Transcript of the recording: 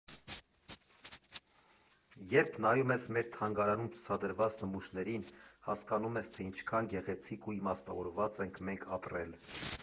Երբ նայում ես մեր թանգարանում ցուցադրված նմուշներին, հասկանում ես, թե ինչքան գեղեցիկ ու իմաստավորված ենք մենք ապրել.